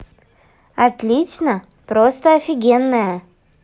отлично просто офигенная